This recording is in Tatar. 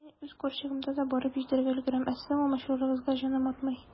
Мин үз карчыгымда да барып җитәргә өлгерәм, ә сезнең алмачуарыгызга җаным ятмый.